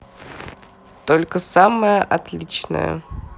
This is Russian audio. только самое отличное